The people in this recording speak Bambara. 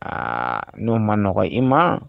Aa n'o ma n nɔgɔɔgɔ i ma